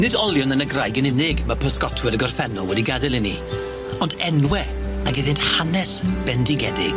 Nid olion yn y graig yn unig ma' pysgotwyr y gorffennol wedi gad'el i ni, ond enwe ag iddynt hanes bendigedig.